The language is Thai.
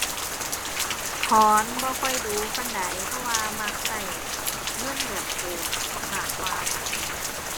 ถอนบ่ค่อยดู๋ปานใด เพราะว่ามักใช้เงินแบบโอนมากกว่า